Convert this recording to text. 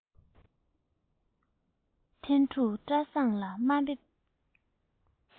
ཐན ཕྲུག བཀྲ བཟང ལ དམའ འབེབས